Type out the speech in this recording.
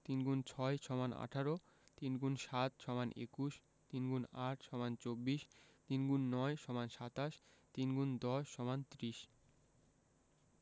৩ x ৬ = ১৮ ৩ × ৭ = ২১ ৩ X ৮ = ২৪ ৩ X ৯ = ২৭ ৩ ×১০ = ৩০